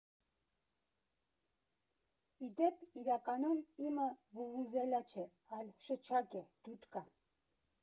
Ի դեպ, իրականում իմը վուվուզելա չէ, այլ շչակ է՝ դուդկա։